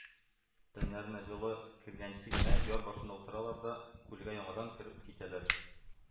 Тәннәренә җылы кергәнче генә яр башында утыралар да күлгә яңадан кереп китәләр